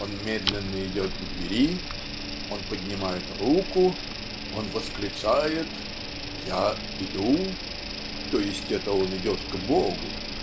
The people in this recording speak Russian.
он медленно идет к двери, он поднимает руку, он восклицает "Я иду", т. е. это он идет к Богу